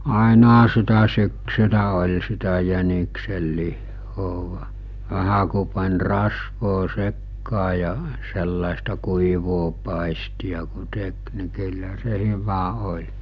ainahan sitä syksyllä oli sitä jäniksenlihaa vähän kun pani rasvaa sekaan ja sellaista kuivaa paistia kun teki niin kyllä se hyvä oli